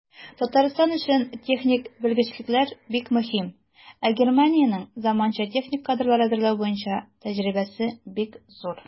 Татарстан өчен техник белгечлекләр бик мөһим, ә Германиянең заманча техник кадрлар әзерләү буенча тәҗрибәсе бик зур.